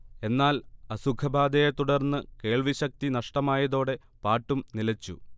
എന്നാൽ അസുഖബാധയെ തുടർന്ന് കേൾവിശക്തി നഷ്ടമായതോടെ പാട്ടും നിലച്ചു